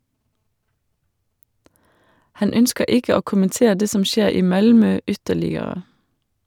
Han ønsker ikke å kommentere det som skjer i Malmö ytterligere.